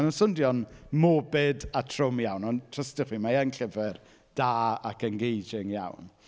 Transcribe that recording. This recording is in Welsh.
Mae'n sowndio'n morbid a trwm iawn, ond trystiwch fi, mae e'n llyfr da ac engaging iawn.